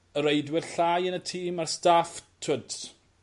y reidwyr llai yn y tîm a'r staff t'wod